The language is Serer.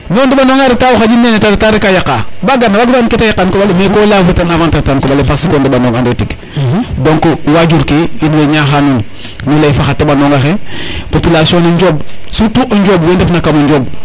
mais o ɗeɓanonga reta o xaƴin nene te reta rek a yaqa ba gar na wagiro an kete yaqa koɓale mais ko leya fo ten avant te reta koɓale parce que o ndeɓanong ande tig donc wajur ke in way ñaxa nuun nu ley fa xa teɓanonga xe population ne Njob surtout o Njob we ndef na kamo Njob